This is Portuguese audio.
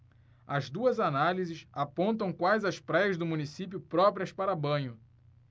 as duas análises apontam quais as praias do município próprias para banho